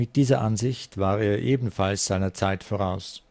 dieser Ansicht war er ebenfalls seiner Zeit voraus